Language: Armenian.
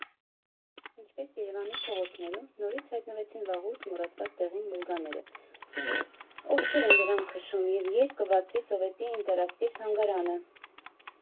Ինչպես Երևանի փողոցներում նորից հայտնվեցին վաղուց մոռացված դեղին Վոլգաները, ովքեր են դրանք քշում, և երբ կբացվի Սովետի ինտերակտիվ թանգարանը.